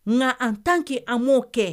Nka an tan k kɛ an m'o kɛ